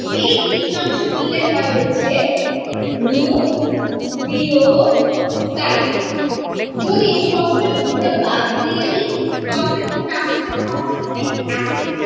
এই তিনটা অংশ মিলে হয় হচ্ছে নিউক্লিওটাইড যদি এই ফসফেট গ্রুপটা বাদ দিয়ে দেই ফসফেট গ্রুপটা আসে হচ্ছে ফসফরিক এসিড থেকে